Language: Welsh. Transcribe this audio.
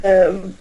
Yym.